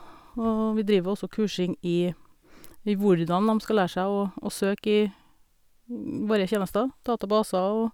Og vi driver jo også kursing i i hvordan dem skal lære seg å å søke i våre tjenester, databaser og...